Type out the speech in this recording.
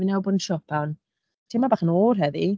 Fi newydd bod yn siopa, teimlo bach yn oer heddi.